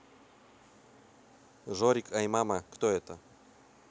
жорик ай мама кто это